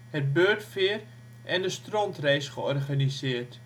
het Beurtveer en de Strontrace georganiseerd